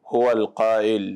Kowa ka